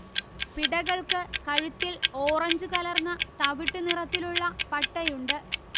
പിടകൾക്ക് കഴുത്തിൽ ഓറഞ്ചു കലർന്ന തവിട്ടുനിറത്തിലുള്ള പട്ടയുണ്ട്